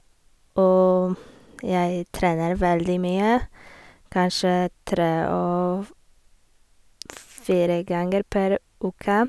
Og jeg trener veldig mye, kanskje tre og f fire ganger per uke.